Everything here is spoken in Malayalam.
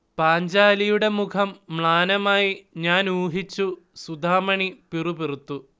പാഞ്ചാലിയുടെ മുഖം മ്ളാനമായി 'ഞാൻ ഊഹിച്ചു' സുധാമണി പിറുപിറുത്തു